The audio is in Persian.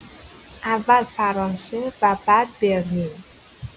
اول فرانسه و بعد برلین